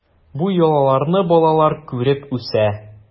Бу йолаларны балалар күреп үсә.